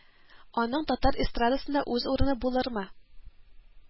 Аның татар эстрадасында үз урыны булырмы